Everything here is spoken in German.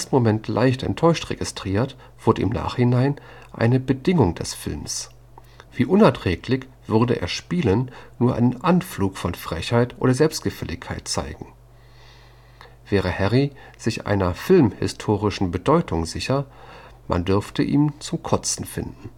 Moment leicht enttäuscht registriert, wird im Nachhinein eine Bedingung des Films. Wie unerträglich, würde er ‚ spielen ‘, nur einen Anflug von Frechheit oder Selbstgefälligkeit zeigen. […] Wäre Harry sich seiner (film -) historischen Bedeutung sicher, man dürfte ihn zum Kotzen finden